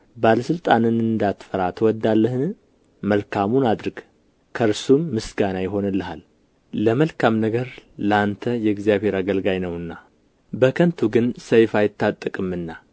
ባለ ሥልጣንን እንዳትፈራ ትወዳለህን መልካሙን አድርግ ከእርሱም ምስጋና ይሆንልሃል ለመልካም ነገር ለአንተ የእግዚአብሔር አገልጋይ ነውና በከንቱ ግን ሰይፍ አይታጠቅምና